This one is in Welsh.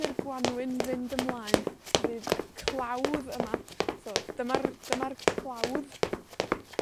i'r Gwanwyn fynd ymlaen fydd y clawdd yma, so dyma'r, dyma'r clawdd.